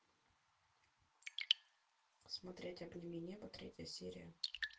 смотреть обними небо третья серия